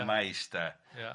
...y maes de. Ia.